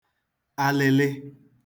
alịlị